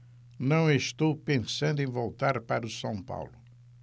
não estou pensando em voltar para o são paulo